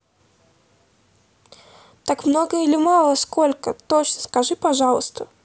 так много или мало сколько точно скажи пожалуйста